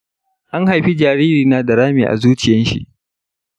an haifi jaririna da rami a zuciyar shi.